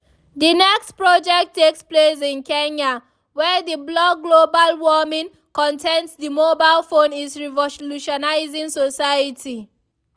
The next project takes place in Kenya, where the blog Global Warming contends the mobile phone is revolutionizing society.